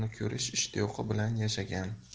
ko'rish ishtiyoqi bilan yashagan